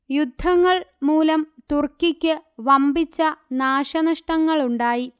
യുദ്ധങ്ങൾ മൂലം തുർക്കിക്ക് വമ്പിച്ച നാശനഷ്ടങ്ങളുണ്ടായി